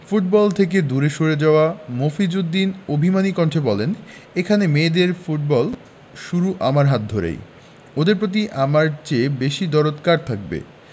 football থেকে দূরে সরে যাওয়া মফিজ উদ্দিন অভিমানী কণ্ঠে বললেন এখানে মেয়েদের ফুটবল শুরু আমার হাত ধরেই ওদের প্রতি আমার চেয়ে বেশি দরদ কার থাকবে